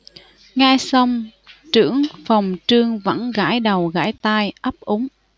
nghe xong trưởng phòng trương vẫn gãi đầu gãi tai ấp úng